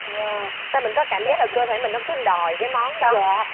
dạ tại mình có cảm giác là cơ thể mình nó cứ đòi cái món đó dạ